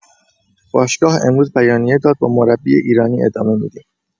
باشگاه امروز بیانیه داد با مربی ایرانی ادامه می‌دیم